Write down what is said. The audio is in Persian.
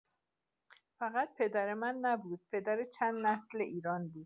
فقط پدر من نبود، پدر چند نسل ایران بود.